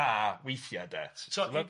dda weithiau de tibod.